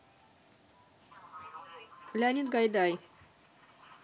леонид гайдай